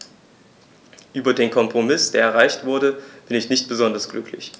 Über den Kompromiss, der erreicht wurde, bin ich nicht besonders glücklich.